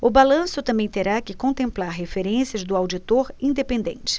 o balanço também terá que contemplar referências do auditor independente